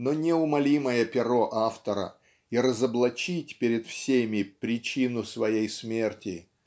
но неумолимое перо автора и разоблачить перед всеми причину своей смерти